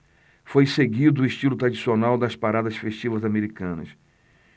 foi seguido o estilo tradicional das paradas festivas americanas